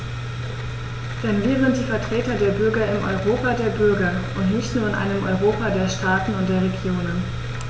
Denn wir sind die Vertreter der Bürger im Europa der Bürger und nicht nur in einem Europa der Staaten und der Regionen.